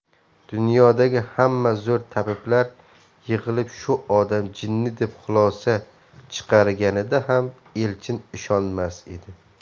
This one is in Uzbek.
dunyodagi hamma zo'r tabiblar yig'ilib shu odam jinni deb xulosa chiqarganida ham elchin ishonmas edi